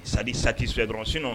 Sa sati so dɔrɔnsinɔn